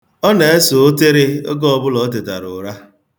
̣Ọ na-ese ụtịrị oge ọbụla o tetara ụra.